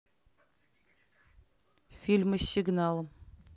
фильмы с сигалом